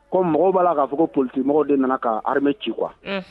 Ko mɔgɔ b'a k kaa fɔ ko politi mɔgɔw de nana ka hamɛ ci kuwa